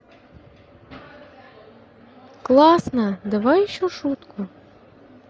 классно давай еще шутку